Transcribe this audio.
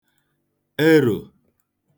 erò